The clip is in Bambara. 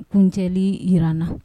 Kuncɛli jirana